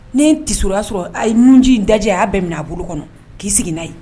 Ni te'a sɔrɔ a ye munji in dajɛ a y'a bɛn minɛ a bolo kɔnɔ k'i sigi n'a ye